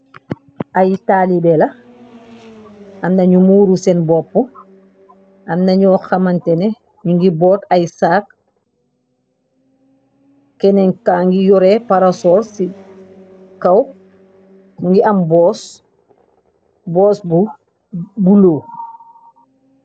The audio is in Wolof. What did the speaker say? Ay taalibe la amnañu muuru seen bopp amnañu xamantene ñu ngi boot ay saak kenenkangi yore parasor ci kaw mu ngi am boos bu bulu.